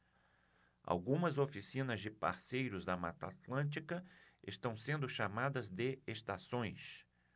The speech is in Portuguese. algumas oficinas de parceiros da mata atlântica estão sendo chamadas de estações